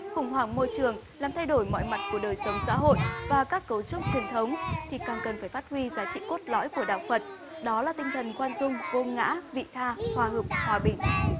khủng hoảng môi trường làm thay đổi mọi mặt của đời sống xã hội và các cấu trúc truyền thống thì càng cần phải phát huy giá trị cốt lõi của đạo phật đó là tinh thần khoan dung vô ngã vị tha hòa hợp hòa bình